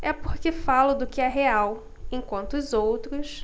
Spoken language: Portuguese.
é porque falo do que é real enquanto os outros